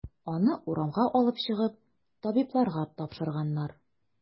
Аны урамга алып чыгып, табибларга тапшырганнар.